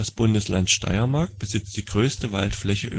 Bundesland Steiermark besitzt die größte Waldfläche